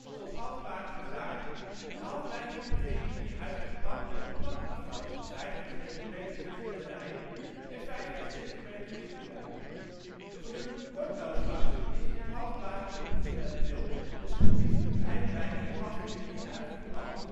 tot half maart gezaaid en half mei tot begin juni uitgeplant met een plantafstand van 50 cm tussen de rijen en 50 cm in de rij. Voor de kortloofrassen is dit half maart tot begin april, respectievelijk eind mei tot half juni uitgeplant met